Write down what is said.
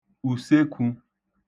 ùsekwū